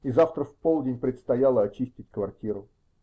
И завтра в полдень предстояло очистить квартиру.